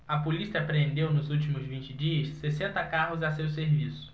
a polícia apreendeu nos últimos vinte dias sessenta carros a seu serviço